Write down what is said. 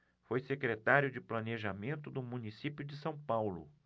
foi secretário de planejamento do município de são paulo